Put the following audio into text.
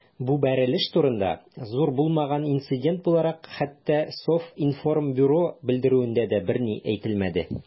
Бу бәрелеш турында, зур булмаган инцидент буларак, хәтта Совинформбюро белдерүендә дә берни әйтелмәде.